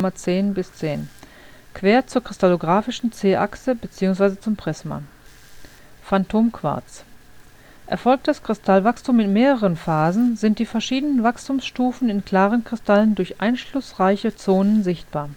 10-10) quer zur kristallographischen c-Achse bzw. zum Prisma. Phantomquarz: Erfolgt das Kristallwachstum in mehreren Phasen, sind die verschiedenen Wachstumsstufen in klaren Kristallen durch einschlussreiche Zonen sichtbar